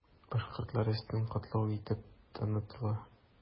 Башкортлар өстен катлау итеп танытыла.